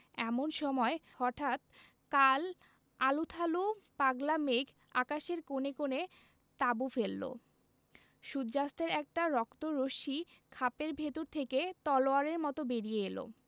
এমন সময় হঠাৎ কাল আলুথালু পাগলা মেঘ আকাশের কোণে কোণে তাঁবু ফেললো সূর্য্যাস্তের একটা রক্ত রশ্মি খাপের ভেতর থেকে তলোয়ারের মত বেরিয়ে এল